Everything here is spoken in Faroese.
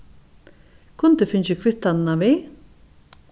kundi eg fingið kvittanina við